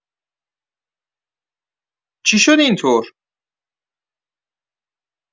چی شد اینطور؟